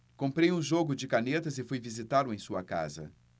comprei um jogo de canetas e fui visitá-lo em sua casa